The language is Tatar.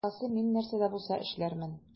Кыскасы, мин нәрсә дә булса эшләрмен.